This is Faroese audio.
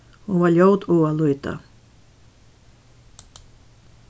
hon var ljót á at líta